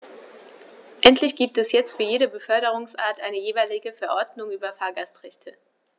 Endlich gibt es jetzt für jede Beförderungsart eine jeweilige Verordnung über Fahrgastrechte.